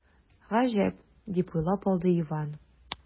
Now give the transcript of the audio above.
“гаҗәп”, дип уйлап алды иван.